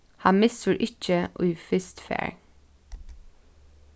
hann missir ikki ið fyrst fær